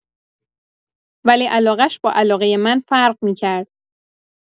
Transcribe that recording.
ولی علاقه‌ش با علاقۀ من فرق می‌کرد.